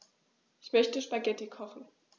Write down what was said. Ich möchte Spaghetti kochen.